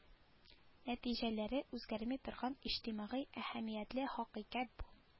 Нәтиҗәләре үзгәрми торган иҗтимагый әһәмиятле хакыйкать бу